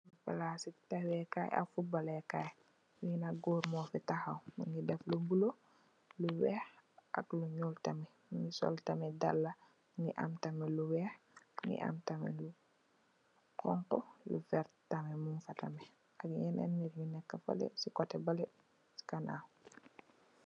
Pala si dem mekai ak football le kai. lenak gorr mu fe tahaw.mu nge def lu bol luweyh ak lu honha. mu nge sol tamit dala yu am lu weyh, honha, ak lu verter tamit mungefaa fele koteh bele si ganow.